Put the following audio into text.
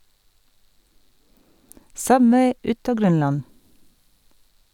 Subway ut av Grønland!